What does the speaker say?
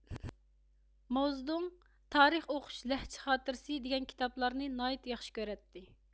ماۋزېدۇڭ تارىخ ئوقۇش لەھجە خاتىرىسى دېگەن كىتابلارنى ناھايىتى ياخشى كۆرەتتى